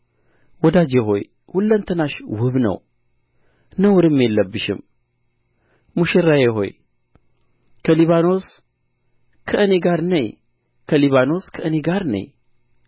ወዳጄ ሆይ ሁለንተናሽ ውብ ነው ነውርም የለብሽም ሙሽራዬ ሆይ ከሊባኖስ ከእኔ ጋር ነዪ ከሊባኖስ ከእኔ ጋር ነዪ